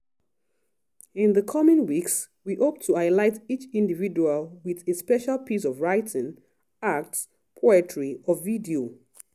In the coming weeks, we hope to highlight each individual with a special piece of writing, art, poetry, or video.